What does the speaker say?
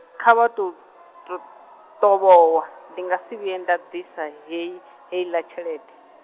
kha vha tou tot-, ṱovhowa, ndi nga si vhuya nda ḓisa hei, hei ḽa tshelede.